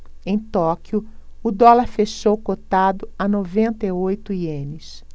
em tóquio o dólar fechou cotado a noventa e oito ienes